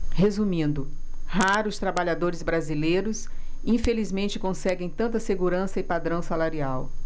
resumindo raros trabalhadores brasileiros infelizmente conseguem tanta segurança e padrão salarial